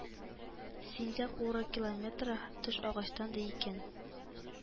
Син дә курыкилометра, төш агачтан, ди икән